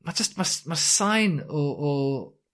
ma' jyst ma' ma'r sain o o